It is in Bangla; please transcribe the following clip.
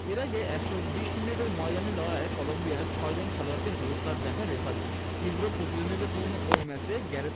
এর আগে ১২০ মিনিটের ময়দানি লড়াইয়ে কলম্বিয়ার ছয়জন খেলোয়াড়কে হলুদ কার্ড দেখায় রেফারি তীব্র প্রতিদ্বন্দ্বিপূর্ণ ওই ম্যাচে গ্যারেথ